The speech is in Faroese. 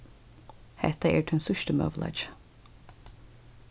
hetta er tín síðsti møguleiki